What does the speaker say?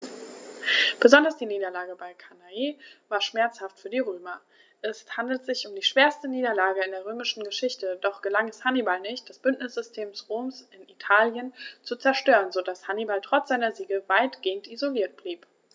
Besonders die Niederlage bei Cannae war schmerzhaft für die Römer: Es handelte sich um die schwerste Niederlage in der römischen Geschichte, doch gelang es Hannibal nicht, das Bündnissystem Roms in Italien zu zerstören, sodass Hannibal trotz seiner Siege weitgehend isoliert blieb.